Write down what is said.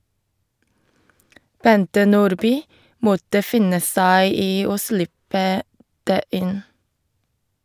Bente Nordby måtte finne seg i å slippe det inn.